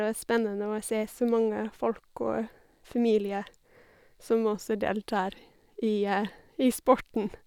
Og spennende å se så mange folk og familier som også deltar i i sporten.